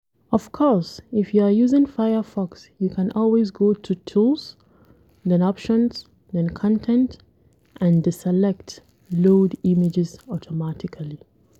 (Of course, if you are using Firefox you can always go to Tools -> Options -> Content and deselect ‘Load images automatically’.)